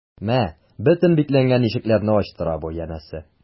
Мә, бөтен бикләнгән ишекләрне ачтыра бу, янәсе...